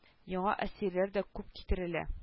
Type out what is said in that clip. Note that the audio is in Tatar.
Яңа әсирләр дә күп китерелә